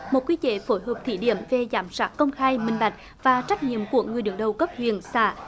một quy chế phối hợp thí điểm về giám sát công khai minh bạch và trách nhiệm của người đứng đầu cấp huyện xã